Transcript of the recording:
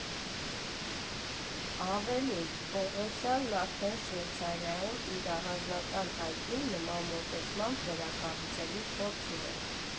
Ավելին, Պողոսյանն արդեն Շվեյցարիայում իր առանձնանատան այգին նման մոտեցմամբ վերակառուցելու փորձ ուներ։